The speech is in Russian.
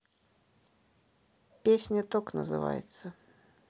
песня ток называется